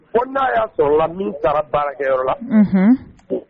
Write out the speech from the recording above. Ko n'a y'a sɔrɔ la min taara baarakɛyɔrɔ la